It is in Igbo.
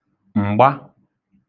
m̀gba